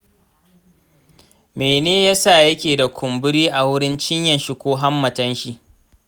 mene yasa yake da kumburi a wurin cinyanshi ko hammatanshi?